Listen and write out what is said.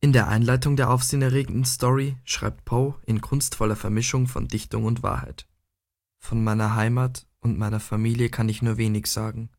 der Einleitung der Aufsehen erregenden Story schreibt Poe in kunstvoller Vermischung von Dichtung und Wahrheit: Von meiner Heimat und meiner Familie kann ich nur wenig sagen